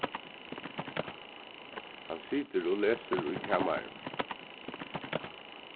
hann situr og lesur í kamarinum